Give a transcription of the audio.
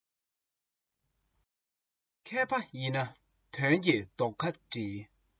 མཁས པ ཡིན ན དོན གྱི རྡོ ཁ སྒྲིལ